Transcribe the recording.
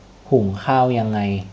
หุงข้าวยังไง